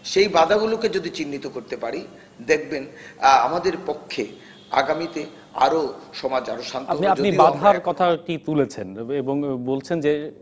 সেই বাঁধাগুলো কে যদি চিহ্নিত করতে পারি দেখবেন আমাদের পক্ষে আগামীতে আরো সমাজ আরো আরো শান্তিপুর্ণ হবে যদিও আপনি বাধার কথা কি তুলেছেন এবং বলছেন যে